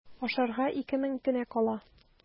Ашарга ике мең генә кала.